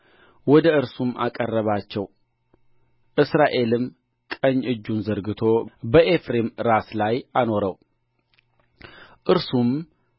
ወደ እርሱም አቀረባቸው እስራኤልም ቀኝ እጁን ዘርግቶ በኤፍሬም ራስ ላይ አኖረው እርሱም